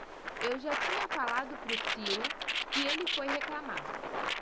eu já tinha falado pro ciro que ele foi reclamar